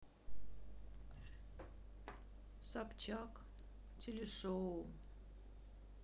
собчак телешоу